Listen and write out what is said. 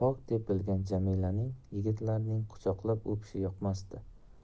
jamilaning yigitlarning quchoqlab o'pishi yoqmasdi